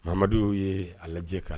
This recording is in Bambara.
Mamadu ye a lajɛ ka